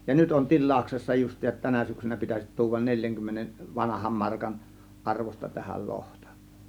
ja nyt on tilauksessa justiinsa tänä syksynä pitäisi tuoda neljänkymmenen vanhan markan arvosta tähän lohta